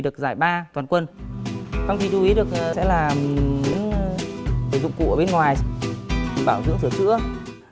được giải ba toàn quân trong khi chú ý được sẽ làm những dụng cụ bên ngoài bảo dưỡng sửa chữa